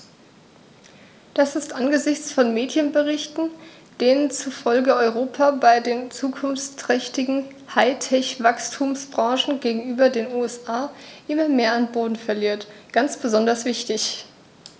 Das ist angesichts von Medienberichten, denen zufolge Europa bei den zukunftsträchtigen High-Tech-Wachstumsbranchen gegenüber den USA immer mehr an Boden verliert, ganz besonders wichtig.